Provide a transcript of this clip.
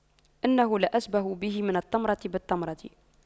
إنه لأشبه به من التمرة بالتمرة